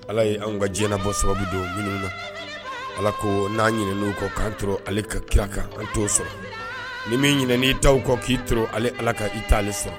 Ala ye anw ka diɲɛlabɔ sababu don minnu na Ala ko n'an ɲinɛn'u kɔ k'an toro ale ka kira kan an t'o sɔrɔ ni min ɲinɛn'i taw kɔ k'i toro ale Ala kan i t'ale sɔrɔ